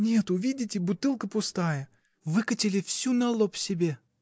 — Нету: видите, бутылка пустая! выкатили всю на лоб себе!